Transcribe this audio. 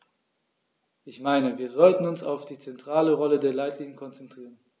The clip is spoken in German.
Ich meine, wir sollten uns auf die zentrale Rolle der Leitlinien konzentrieren.